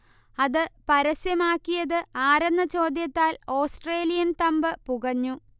അത് പരസ്യമാക്കിയത് ആരെന്ന ചോദ്യത്താൽ ഓസ്ട്രേലിയൻ തമ്പ് പുകഞ്ഞു